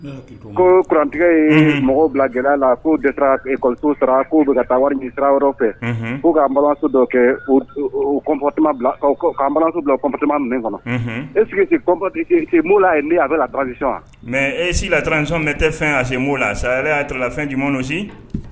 U ko kurantigɛ ye mɔgɔw bila gɛlɛ la ko kɔlɔsito sara ko bɛ ka taa wari sira yɔrɔ fɛ k kaso dɔ kɛpptima min kɔnɔ esip la a bɛrasi wa mɛ e si lat nisɔn mɛ tɛ fɛn se la saya y'ala fɛn jumɛn si